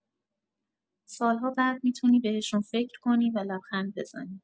سال‌ها بعد می‌تونی بهشون فکر کنی و لبخند بزنی.